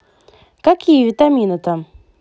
какие витамины там